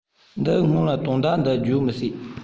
འདིའི སྔོན ལ དོན དག འདི བརྗོད མི སྲིད